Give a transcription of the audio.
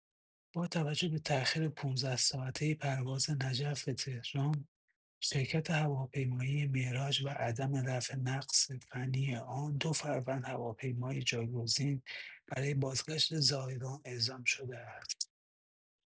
با توجه به تاخیر ۱۵ ساعته پرواز نجف به تهران شرکت هواپیمایی معراج و عدم رفع نقص فنی آن، دو فروند هواپیمای جایگزین برای بازگشت زائران اعزام‌شده است.